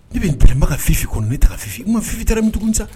Ne bɛ n pba ka f fi kɔni ne ta taa fifin i n ma fi tɛ ni dugumi sa